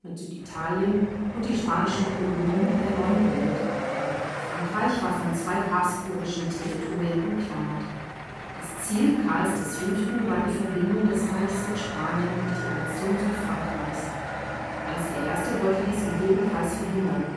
Süditalien) und die spanischen Kolonien in der Neuen Welt. Frankreich war von zwei habsburgischen Territorien umklammert. Das Ziel Karls V. war die Verbindung des Reiches mit Spanien durch die Annexion Südfrankreichs. Franz I. wollte dies um jeden Preis verhindern